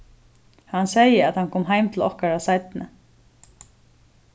hann segði at hann kom heim til okkara seinni